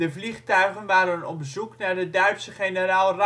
vliegtuigen waren op zoek naar de Duitse generaal